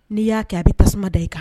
N'i y'a kɛ a bɛ tasuma da i kan